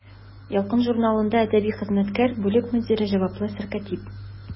«ялкын» журналында әдәби хезмәткәр, бүлек мөдире, җаваплы сәркәтиб.